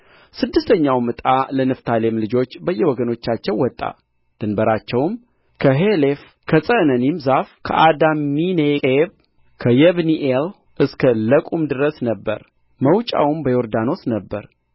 ስድስተኛውም ዕጣ ለንፍታሌም ልጆች በየወገኖቻቸው ወጣ ድንበራቸውም ከሔሌፍ ከጸዕነኒም ዛፍ ከአዳሚኔቄብ ከየብኒኤል እስከ ለቁም ድረስ ነበረ መውጫውም በዮርዳኖስ ነበረ